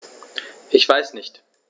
Ich weiß nicht.